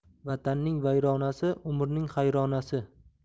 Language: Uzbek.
vatanning vayronasi umrning hayronasi